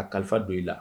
Ka kalifa don i la.